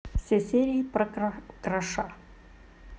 все серии про кроша